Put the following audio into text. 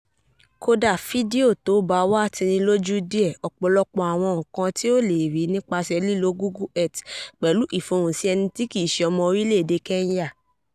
Kódà fídíò tí ó baa wá ti ni lójú díẹ̀:ọ̀pọ̀lọpọ̀ àwọn nkan tí o le rí nípasẹ̀ lílo Google Earth, pẹ̀lú ìfohùnsí ẹni tí kìí se ọmọ orílẹ̀ èdè Kenya.